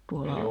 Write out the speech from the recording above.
tuolla